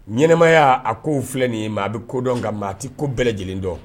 Ɲɛnɛma y'a a ko filɛ nin ye maa a bɛ kodɔn nka maa tɛ ko bɛɛlɛ lajɛlen dɔn